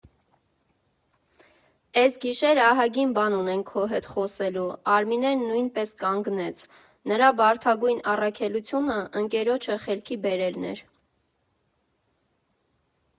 Էս գիշեր ահագին բան ունենք քո հետ խոսելու, ֊ Արմինեն նույնպես կանգնեց՝ նրա բարդագույն առաքելությունը ընկերոջը խելքի բերելն էր։